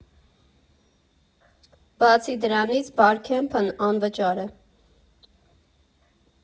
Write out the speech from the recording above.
Բացի դրանից Բարքեմփն անվճար է։